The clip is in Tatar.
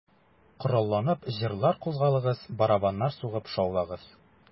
Коралланып, җырлар, кузгалыгыз, Барабаннар сугып шаулагыз...